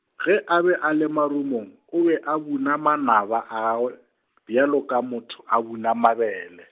ge a be a le marumong, o be a buna manaba gagwe, bjalo ka motho a buna mabele.